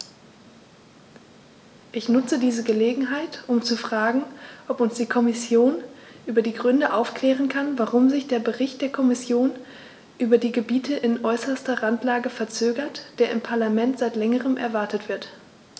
Ich nutze diese Gelegenheit, um zu fragen, ob uns die Kommission über die Gründe aufklären kann, warum sich der Bericht der Kommission über die Gebiete in äußerster Randlage verzögert, der im Parlament seit längerem erwartet wird.